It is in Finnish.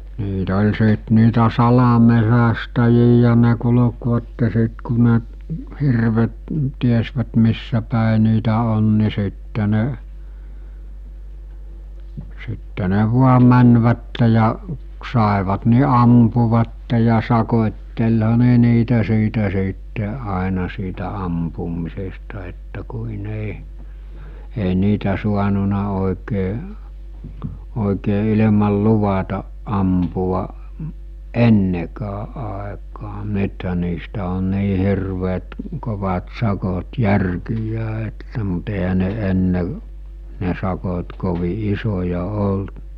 niitä oli sitten niitä salametsästäjiä ne kulkivat sitten kun ne hirvet tiesivät missäpäin niitä on niin sitten ne sitten ne vain menivät ja - saivat niin ampuivat ja sakottelihan ne niitä siitä sitten aina siitä ampumisesta että kuin ei ei niitä saanut oikein oikein ilman luvatta ampua ennenkään aikaan nythän niistä on niin hirveät kovat sakot järkiään että mutta eihän ne ennen ne sakot kovin isoja ollut